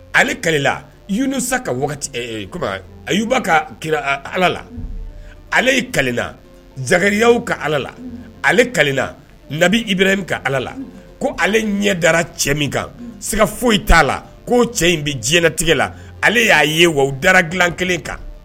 Ale kalila sa ka a y'ba ka kira ala la ale ye kaina zanriyayaw ka ala la ale kaina nabi i bɛ min ka ala la ko ale ɲɛ dara cɛ min kan se ka foyi t'a la ko cɛ in bɛ diɲɛɲɛnatigɛ la ale y'a ye wa dala dila kelen kan